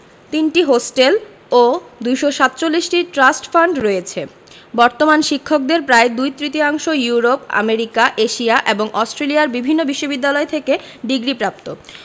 ৩টি হোস্টেল ও ২৪৭টি ট্রাস্ট ফান্ড রয়েছে বর্তমান শিক্ষকদের প্রায় দুই তৃতীয়াংশ ইউরোপ আমেরিকা এশিয়া এবং অস্ট্রেলিয়ার বিভিন্ন বিশ্ববিদ্যালয় থেকে ডিগ্রিপ্রাপ্ত